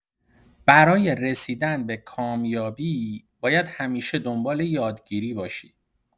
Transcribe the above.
برای رسیدن به کامیابی، باید همیشه دنبال یادگیری باشی.